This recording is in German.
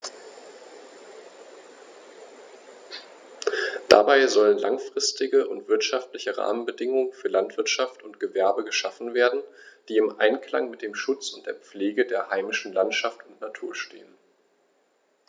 Dabei sollen langfristige und wirtschaftliche Rahmenbedingungen für Landwirtschaft und Gewerbe geschaffen werden, die im Einklang mit dem Schutz und der Pflege der heimischen Landschaft und Natur stehen.